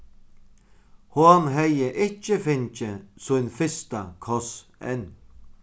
hon hevði ikki fingið sín fyrsta koss enn